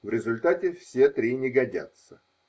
В результате -- все три не годятся.